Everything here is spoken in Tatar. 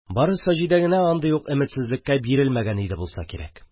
Бары Саҗидә генә андый ук өметсезлеккә бирелмәгән иде булса кирәк.